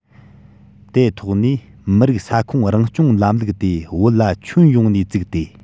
དེ ཐོག ནས མི རིགས ས ཁོངས རང སྐྱོང ལམ ལུགས དེ བོད ལ ཁྱོན ཡོངས ནས བཙུགས ཏེ